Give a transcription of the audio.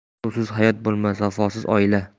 suvsiz hayot bo'lmas vafosiz oila